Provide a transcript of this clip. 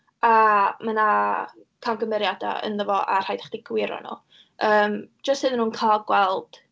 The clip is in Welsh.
A ma' na camgymeriadau ynddo fo, a rhaid i chdi gywiro nhw, yym, jyst iddyn nhw cael gweld.